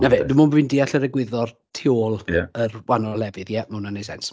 'Na fe, dim ond bod fi'n deall yr egwyddor tu ôl yr wahanol lefydd, ie ma' hwnna'n wneud sens.